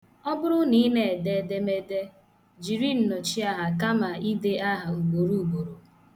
Ọ bụrụ na ị na-ede edemede, jiri nnọchiaha kama ide aha ugboro ugboro.